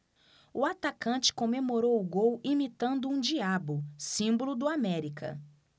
o atacante comemorou o gol imitando um diabo símbolo do américa